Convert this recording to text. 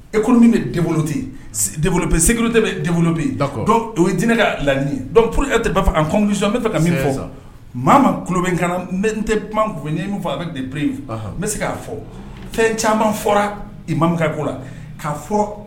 E min bɛ segu bɛ de bɛ o ye diinɛ ka la ye p e tɛ' fɔ a kosɔn n bɛ fɛ ka min fɔ maa ma bɛ ka n n tɛ kuma min fa bɛ depyi n bɛ se k ka'a fɔ fɛn caman fɔra i ma ko la k' fɔ